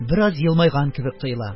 Бераз елмайган кебек тоела.